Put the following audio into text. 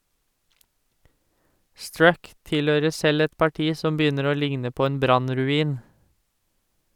Struck tilhører selv et parti som begynner å ligne på en brannruin.